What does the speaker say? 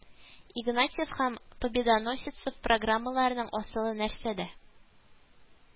Игнатьев һәм Победоносецев программаларының асылы нәрсәдә